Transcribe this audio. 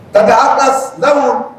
Ka a kamu